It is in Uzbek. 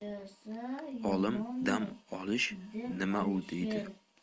olim dam olish nima u deydi